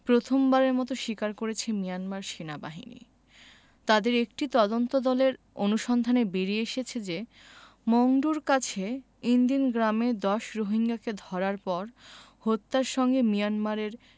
প্রথমবারের মতো স্বীকার করেছে মিয়ানমার সেনাবাহিনী তাদের একটি তদন্তদলের অনুসন্ধানে বেরিয়ে এসেছে যে মংডুর কাছে ইনদিন গ্রামে ১০ রোহিঙ্গাকে ধরার পর হত্যার সঙ্গে মিয়ানমারের